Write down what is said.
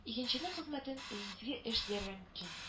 Игенченең хезмәтен изге эш дияргә мөмкин